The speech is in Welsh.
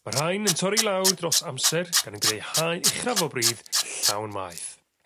Ma'r haen yn torri i lawr dros amser gan yn greu hae' uchaf o bridd llawn maeth